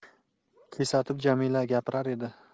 kesatib jamila gapirar edi